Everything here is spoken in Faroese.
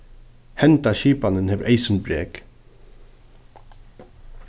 henda skipanin hevur eyðsýnd brek